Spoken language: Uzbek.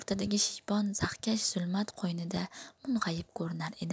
o'rtadagi shiypon zaxkash zulmat qo'ynida mung'ayib ko'rinar edi